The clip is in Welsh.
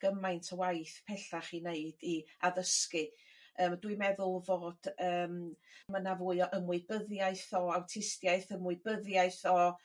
gymaint o waith pellach i neud i addysgu yy dwi meddwl fod yym ma' 'na fwy o ymwybyddiaeth o awtistiaeth ymwybyddiaeth o